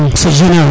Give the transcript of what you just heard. c' est general